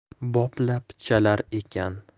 boplab chalar ekan